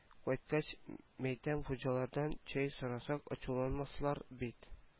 Кайткач мәйтәм хуҗалардан чәй сорасак ачуланмаслар бит